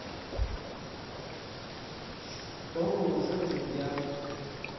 что вы уже друзья